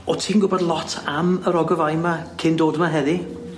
O' ti'n gwbod lot am yr ogofau 'ma cyn dod 'ma heddi?